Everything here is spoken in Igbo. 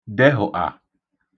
dehụ̀tà